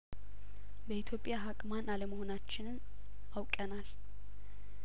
በኢትዮጵያ ሀቅ ማን አለመሆናችንን አውቀናል